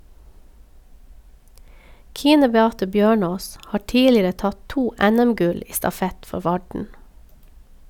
Kine Beate Bjørnås har tidligere tatt to NM-gull i stafett for Varden.